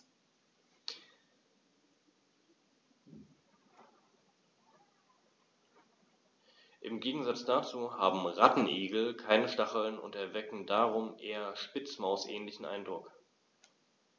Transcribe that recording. Im Gegensatz dazu haben Rattenigel keine Stacheln und erwecken darum einen eher Spitzmaus-ähnlichen Eindruck.